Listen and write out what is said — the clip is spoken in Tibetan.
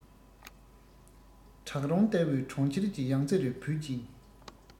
བྲག རོང ལྟ བུའི གྲོང ཁྱེར གྱི ཡང རྩེ རུ བུད ཅིང